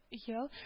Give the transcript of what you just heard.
Ел